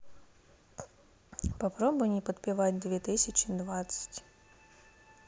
попробуй не подпевать две тысячи двадцать